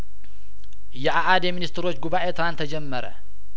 የአአድ የሚኒስትሮች ጉባኤ ትናንት ተጀመረ